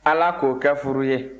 ala k'o kɛ furu ye